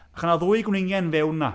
Ac oedd 'na ddwy gwningen fewn 'na.